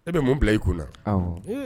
E bɛ mun bila i kun na, awɔ.